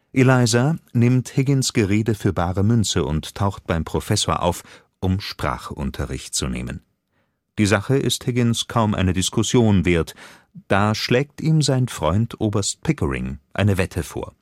Eliza nimmt Higgins Gerede für bare Münze und taucht beim Professor auf, um Sprachunterricht zu nehmen. Die Sache ist Higgins kaum eine Diskussion wert, da schlägt ihm sein Freund Oberst Pickering eine Wette vor